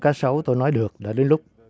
cá sấu tôi nói được đã đến lúc